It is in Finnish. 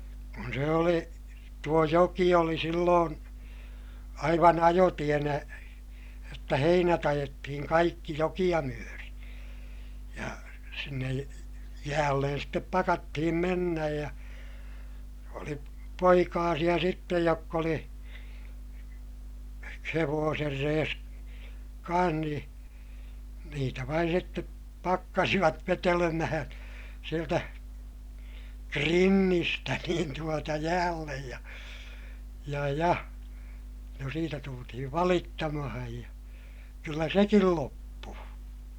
kun se oli tuo joki oli silloin aivan ajotienä jotta heinät ajettiin kaikki jokea myöten ja sinne jäälle sitten pakattiin mennä ja oli poikasia sitten jotka oli hevosen reessä kanssa niin niitä vain sitten pakkasivat vetelemään sieltä krinnistä niin tuota jäälle ja ja ja no siitä tultiin valittamaan ja kyllä sekin loppui